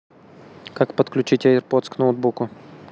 как подключить airpods к ноутбуку